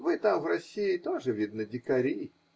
Вы там, в России, тоже, видно, дикари.